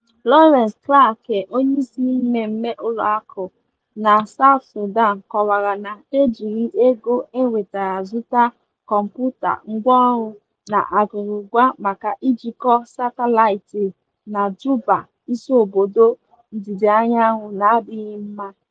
Laurence Clarke, onyeisi mmemme ụlọakụ na South Sudan, kọwara na e jiri ego enwetara zụta kọmputa, ngwanrọ na akụrụngwa maka njikọ satịlaịtị na Juba, isiobodo ndịdaanyanwụ n'adịghị mma.